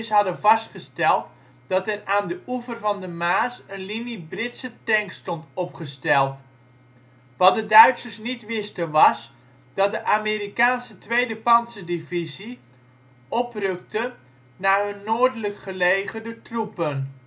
hadden vastgesteld dat er aan de oever van de Maas een linie Britse tanks stond opgesteld. Wat de Duitsers niet wisten was, dat de Amerikaanse 2e pantserdivisie oprukte naar hun noordelijk gelegerde troepen